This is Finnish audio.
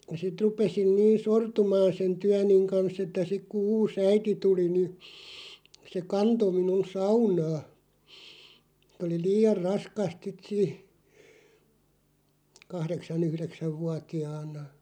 ja sitten rupesin niin sortumaan sen työni kanssa että sitten kun uusi äiti tuli niin se kantoi minun saunaan oli liian raskasta sitten - kahdeksan yhdeksän vuotiaana